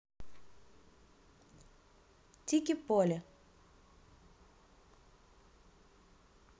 tiki поле